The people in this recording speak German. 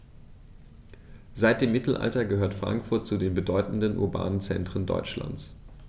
Seit dem Mittelalter gehört Frankfurt zu den bedeutenden urbanen Zentren Deutschlands.